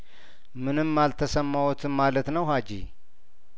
ምንም አልተሰማ ዎትም ማለት ነው ሀጂ